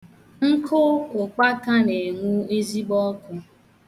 Nkụ ụkpaka na-enwu ezigbo ọkụ